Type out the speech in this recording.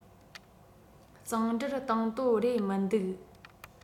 གཙང སྦྲར དང དོད རེད མི འདུག